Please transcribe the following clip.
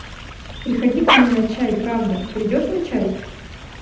приходи ко мне на чай правда придешь на чай